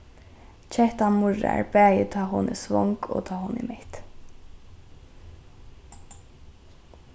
kettan murrar bæði tá hon er svong og tá hon er mett